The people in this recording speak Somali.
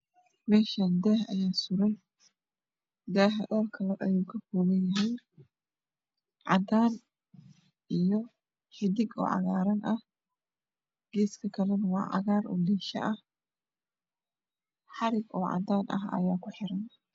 Meeshaan daah ayaa surran dhahaa oo kala nooc ayaa kakooban yahay caddaan iyo xidig caggarran ah geesi kalenah waa cagaaro oo liisha ah xarrig caddaan ah ayaa ku xirran